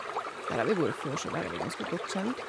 Der har vi vore før, så der er vi ganske godt kjent.